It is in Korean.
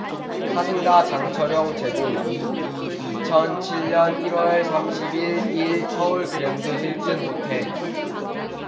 사진가 장철영 제공 이 이 이천 칠 년 일 월 삼십 일 일 서울 그랜드 힐튼 호텔